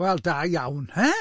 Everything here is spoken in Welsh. Wel da iawn, he?